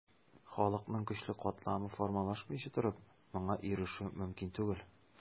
Халыкның көчле катламы формалашмыйча торып, моңа ирешү мөмкин түгел.